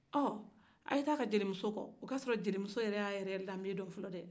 ɔn a ye taa a ka jelimuso kɔ o ka a sɔrɔ jelimuso yɛrɛ ye a dambe dɔn fɔlɔ dɛɛ